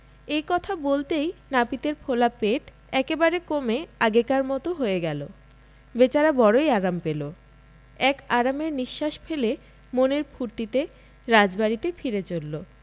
এই কথা বলতেই নাপিতের ফোলা পেট একেবারে কমে আগেকার মতো হয়ে গেল বেচারা বড়োই আরাম পেল এক আরামের নিঃশ্বাস ফেলে মনের ফুর্তিতে রাজবাড়িতে ফিরে চলল